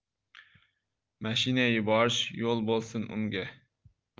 mashina yuborish yo'l bo'lsin unga